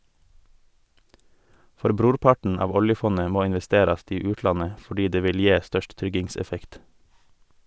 For brorparten av oljefondet må investerast i utlandet fordi det vil gje størst tryggingseffekt.